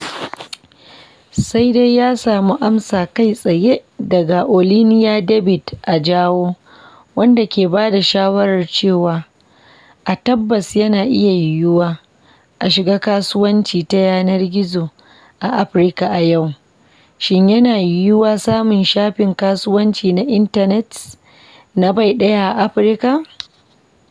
Sai dai ya samu amsa kai tsaye daga Oluniyi David Ajao, wanda ke ba da shawarar cewa a tabbas yana iya yiwuwa a shiga kasuwanci ta yanar gizo a Afirka a yau: “Shin yana yiwuwa samun shafin kasuwanci na intanet na bai ɗaya a Afirka?”